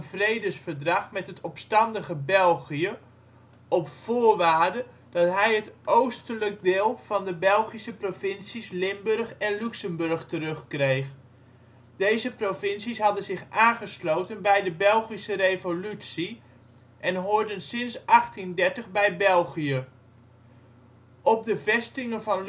vredesverdrag met het opstandige België op voorwaarde dat hij het oostelijke deel van de " Belgische " provincies Limburg en Luxemburg terugkreeg. Deze provincies hadden zich aangesloten bij de Belgische Revolutie en hoorden sinds 1830 bij België, op de vestingen van Luxemburg-stad